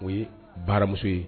O ye baaramuso ye